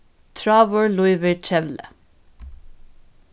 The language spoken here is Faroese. tráður lívir trevli